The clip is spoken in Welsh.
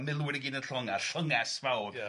A milwyr i gyd 'n y llongau, llynges fawr. ia.